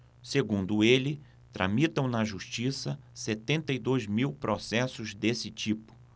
segundo ele tramitam na justiça setenta e dois mil processos desse tipo